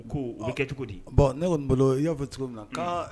Kɛ cogo di bɔn ne ko n bolo i y'a fɛ cogo min na